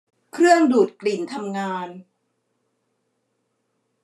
เครื่องดูดกลิ่นทำงาน